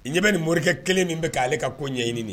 N ɲɛ bɛ nin morikɛ kelen min bɛ k' ale ka ko ɲɛɲini